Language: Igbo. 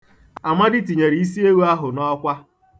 Amadi tinyere isi ewu ahụ n'ọkwa.